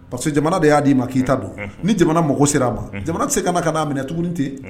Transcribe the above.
Parce que jamana de y'a d'i ma k'i ta don ni jamana mɔgɔ sera a ma jamana tɛ se ka ka'a minɛ tuguni tɛ